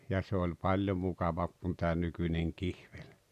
ja se oli paljon mukavampi kuin tämä nykyinen kihveli